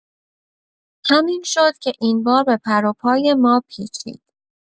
همین شد که این بار به پر و پای ما پیچید